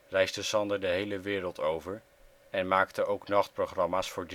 reisde Sander de hele wereld over en maakte ook nachtprogramma 's voor